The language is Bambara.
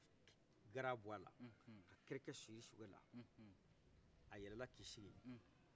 aye gara bɔ ala ka kɛrɛkɛ siri sola a yɛlɛla k'i sigi